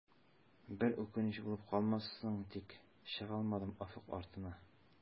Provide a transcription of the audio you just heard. Бер үкенеч булып калмассың тик, чыгалмадым офык артына.